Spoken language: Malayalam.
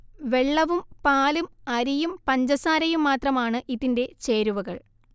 വെള്ളവും പാലും അരിയുംപഞ്ചസാരയും മാത്രമാണ് ഇതിന്റെ ചേരുവകൾ